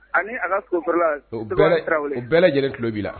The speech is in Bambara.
Ani so bɛɛ lajɛlen tulo' la